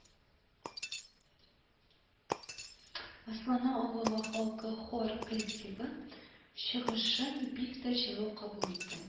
Аслана авылы халкы хор коллективы чыгышын бик тә җылы кабул итте